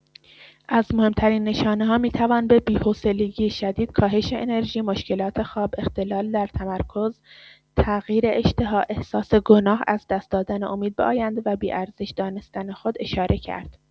از مهم‌ترین نشانه‌ها می‌توان به بی‌حوصلگی شدید، کاهش انرژی، مشکلات خواب، اختلال در تمرکز، تغییر اشتها، احساس گناه، از دست دادن امید به آینده و بی‌ارزش دانستن خود اشاره کرد.